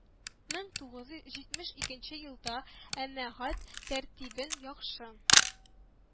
Мең тугыз йөз җитмеш икенче елда әмәгать тәртибен яхшы